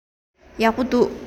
ཡག པོ འདུག